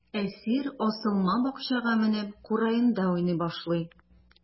Әсир асылма бакчага менеп, кураенда уйный башлый.